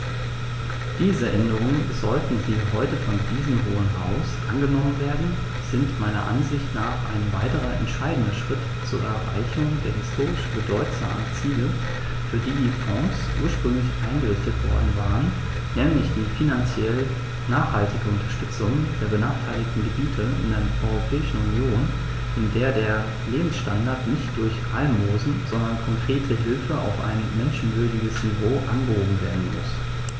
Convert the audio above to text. Diese Änderungen, sollten sie heute von diesem Hohen Haus angenommen werden, sind meiner Ansicht nach ein weiterer entscheidender Schritt zur Erreichung der historisch bedeutsamen Ziele, für die die Fonds ursprünglich eingerichtet worden waren, nämlich die finanziell nachhaltige Unterstützung der benachteiligten Gebiete in der Europäischen Union, in der der Lebensstandard nicht durch Almosen, sondern konkrete Hilfe auf ein menschenwürdiges Niveau angehoben werden muss.